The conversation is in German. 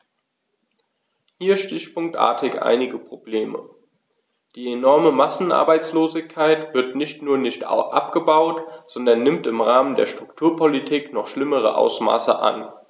Hier stichpunktartig einige Probleme: Die enorme Massenarbeitslosigkeit wird nicht nur nicht abgebaut, sondern nimmt im Rahmen der Strukturpolitik noch schlimmere Ausmaße an.